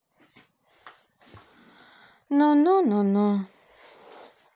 ноно ноно